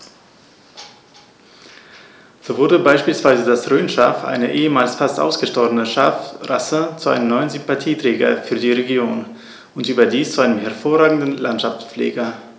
So wurde beispielsweise das Rhönschaf, eine ehemals fast ausgestorbene Schafrasse, zu einem neuen Sympathieträger für die Region – und überdies zu einem hervorragenden Landschaftspfleger.